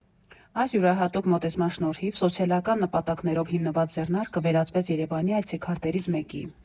Այս յուրահատուկ մոտեցման շնորհիվ սոցիալական նպատակներով հիմնված ձեռնարկը վերածվեց Երևանի այցեքարտերից մեկի։